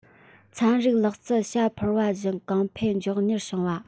ཚན རིག ལག རྩལ བྱ འཕུར བ བཞིན གོང འཕེལ མགྱོགས མྱུར བྱུང བ